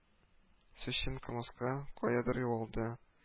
Сүзчән кырмыска каядыр югалды